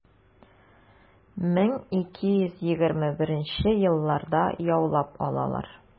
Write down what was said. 1221 елларда яулап алалар.